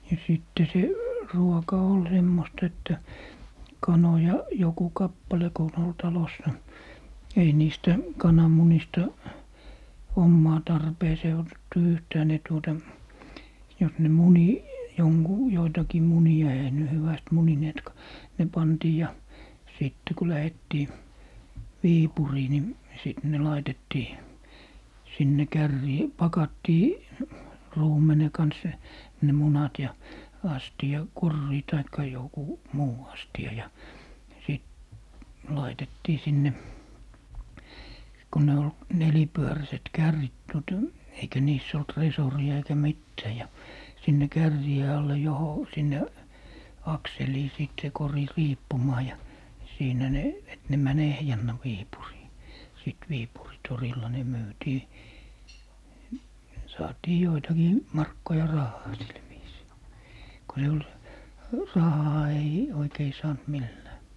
ja sitten se ruoka oli semmoista että kanoja joku kappale kun on oli talossa ei niistä kananmunista omaan tarpeeseen otettu yhtään ne tuota jos ne muni - joitakin munia eihän ne hyvästi munineetkaan ne pantiin ja sitten kun lähdettiin Viipuriin niin sitten ne laitettiin sinne kärriin pakattiin ruumenen kanssa ne munat ja - koriin tai joku muu astia ja sitten laitettiin sinne kun ne oli nelipyöräiset kärrit tuota eikä niissä ollut resoria eikä mitään ja sinne kärrien alle - sinne akseliin sitten se kori riippumaan ja siinä ne että ne meni ehjänä Viipuriin sitten Viipurin torilla ne myytiin saatiin joitakin markkoja rahaa sillä viisiin kun se oli rahaa ei oikein saanut millään